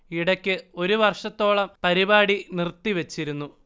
ഇടക്ക് ഒരു വർഷത്തോളം പരിപാടി നിർത്തി വച്ചിരുന്നു